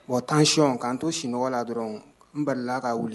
Wa tancɔn k kanan to sunɔgɔ la dɔrɔn nbali ka wuli